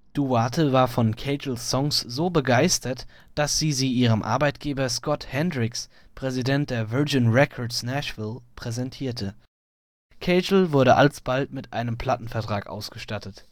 Duarte war von Cagles Songs so begeistert, dass sie sie ihrem Arbeitgeber Scott Hendricks, Präsident der " Virgin Records Nashville " präsentierte. Cagle wurde alsbald mit einem Plattenvertrag ausgestattet